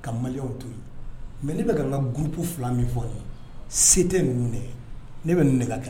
Ka Malien to yen, mɛ ne bɛ ka nka groupe fila min fɔ nin ye, se tɛ ninnu ye, ne bɛ ninnu de